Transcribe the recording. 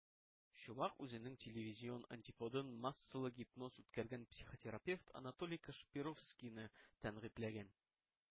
Чумак үзенең телевизион антиподын - массалы гипноз үткәргән психотерапевт Анатолий Кашпировскийны тәнкыйтьләгән.